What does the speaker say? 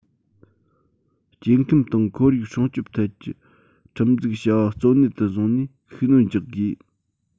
སྐྱེ ཁམས དང ཁོར ཡུག སྲུང སྐྱོང ཐད ཀྱི ཁྲིམས འཛུགས བྱ བ གཙོ གནད དུ བཟུང ནས ཤུགས སྣོན རྒྱག དགོས